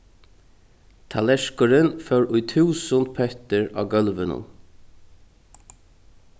tallerkurin fór í túsund pettir á gólvinum